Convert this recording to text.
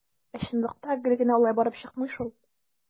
Ә чынлыкта гел генә алай барып чыкмый шул.